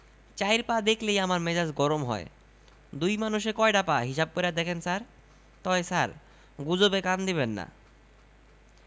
চাইর পা দেখলেই আমার মেজাজ খারাপ হয় দুই মানুষে কয়ডা পা হিসাব কইরা দেখেন ছার তয় ছার গুজবে কান দিবেন না